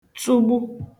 tụgbu